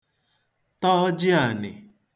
ta ọjịānị̀